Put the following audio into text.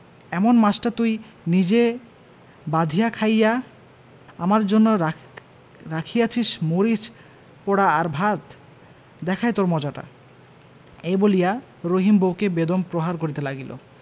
এমন মাছটা তুই নিজে বাধিয়া খাইয়া আমার জন্য রাখিয়াছিস্ মরিচ পােড়া আর ভাত দেখাই তোর মজাটা এই বলিয়া রহিম বউকে বেদম প্রহার করিতে লাগিল